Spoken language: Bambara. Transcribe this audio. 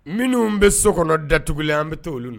Minnu bɛ so kɔnɔ datugulen an bɛ taa olu